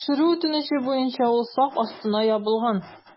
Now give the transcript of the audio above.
Тикшерү үтенече буенча ул сак астына ябылган.